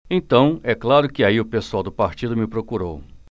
então é claro que aí o pessoal do partido me procurou